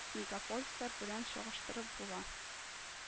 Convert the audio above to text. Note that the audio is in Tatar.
Мегаполислар белән чагыштырып була